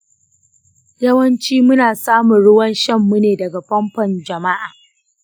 yawanci muna samun ruwan shan mu ne daga famfon jama'a